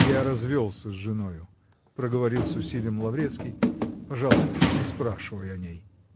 -- Я развелся с женою, -- проговорил с усилием Лаврецкий, -- пожалуйста, не спрашивай о ней.